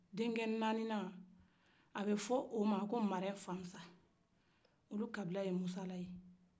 den cɛ naninan a bɛ fɔ o ma nmarafamusa o kabila ye musala ye